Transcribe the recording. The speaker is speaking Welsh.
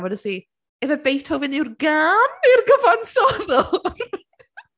Wedais i "ife Beethoven yw’r gân neu’r gyfansoddwr?"